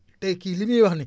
tay kii li muy wax nii